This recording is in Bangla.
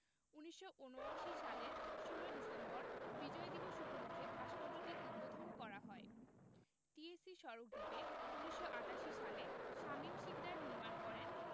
১৯৭৯ সালের ১৬ ডিসেম্বর বিজয় দিবস উপলক্ষে ভাস্কর্যটি উদ্বোধন করা হয় টিএসসি সড়ক দ্বীপে ১৯৮৮ সালে শামীম শিকদার নির্মাণ করেন